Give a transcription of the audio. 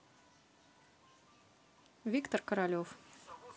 виктор королев